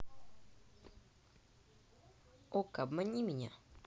okko обмани меня